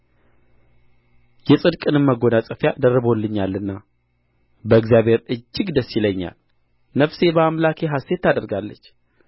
የጽድቅንም መጐናጸፊያ ደርቦልኛልና በእግዚአብሔር እጅግ ደስ ይለኛል ነፍሴም በአምላኬ ሐሤት ታደርጋለች